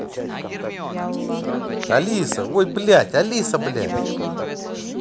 алиса ой блядь алиса блять